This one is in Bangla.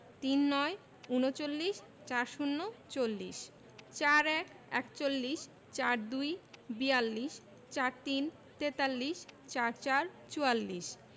৩৯ - ঊনচল্লিশ ৪০ - চল্লিশ ৪১ - একচল্লিশ ৪২ - বিয়াল্লিশ ৪৩ - তেতাল্লিশ ৪৪ – চুয়াল্লিশ